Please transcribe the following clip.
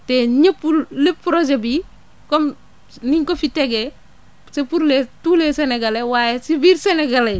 te nekkul li projet bi comme ni ñu ko fi tegee c' est pour les tous les sénégalais waaye si biir sénégalais yi